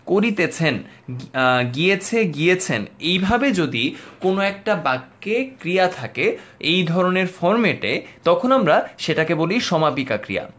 করিতেছেন গিয়েছে গিয়েছেন এই ভাবে যদি কোন একটা বাক্যে ক্রিয়া থাকে এই ধরনের ফরমেটে তখন আমরা সেটাকে বলি সমাপিকা ক্রিয়া